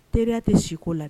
Teri tɛ siko la